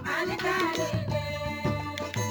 Maa tɛgɛnin le